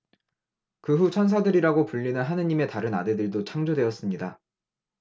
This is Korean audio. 그 후 천사들이라고 불리는 하느님의 다른 아들들도 창조되었습니다